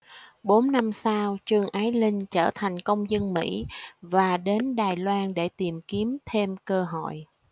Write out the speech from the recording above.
bốn năm sau trương ái linh trở thành công dân mỹ và đến đài loan để tìm kiếm thêm cơ hội